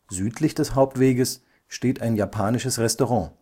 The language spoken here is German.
Südlich des Hauptweges steht ein japanisches Restaurant